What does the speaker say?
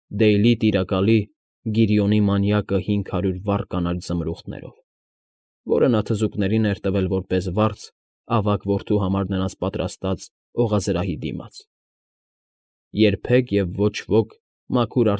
Դեյլի Տիրակալի՝ Գիրիոնի մանյակը հինգ հարյուր վառ կանաչ զմրուխտներով, որը նա թզուկներին էր տվել որպես վարձ՝ ավագ որդու համար նրանց պատրաստած օղազրահի դիմաց. երբեք և ոչ ոք մաքուր։